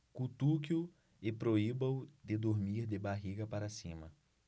cutuque-o e proíba-o de dormir de barriga para cima